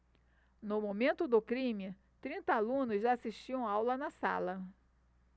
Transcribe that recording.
no momento do crime trinta alunos assistiam aula na sala